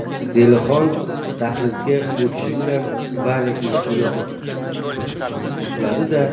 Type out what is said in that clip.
zelixon dahlizga o'tishi bilan valya eshikni yopib qulfladi da